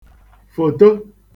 fòto